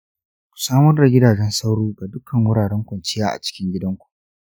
ku samar da gidajen sauro ga dukkan wuraren kwanciya a cikin gidan ku.